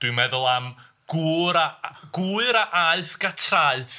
Dwi'n meddwl am "gwr a a... gwyr a aeth Gatraeth".